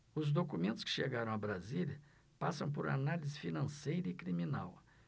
os documentos que chegaram a brasília passam por análise financeira e criminal